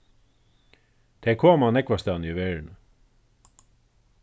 tey koma nógvastaðni í verðini